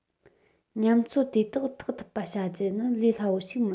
ཉམས ཚོད དེ དག ཐེག ཐུབ པ བྱ རྒྱུ ནི ལས སླ པོ ཞིག མིན